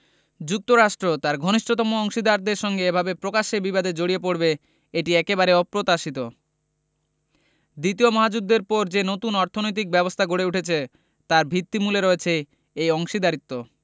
যুক্তরাষ্ট্র তার ঘনিষ্ঠতম অংশীদারদের সঙ্গে এভাবে প্রকাশ্যে বিবাদে জড়িয়ে পড়বে এটি একেবারে অপ্রত্যাশিত দ্বিতীয় মহাযুদ্ধের পর যে নতুন অর্থনৈতিক ব্যবস্থা গড়ে উঠেছে তার ভিত্তিমূলে রয়েছে এই অংশীদারত্ব